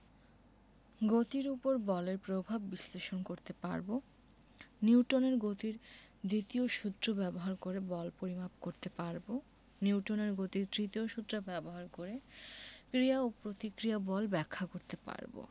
গতির উপর বলের প্রভাব বিশ্লেষণ করতে পারব নিউটনের গতির দ্বিতীয় সূত্র ব্যবহার করে বল পরিমাপ করতে পারব নিউটনের গতির তৃতীয় সূত্র ব্যবহার করে ক্রিয়া ও প্রতিক্রিয়া বল ব্যাখ্যা করতে পারব